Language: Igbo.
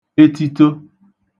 etito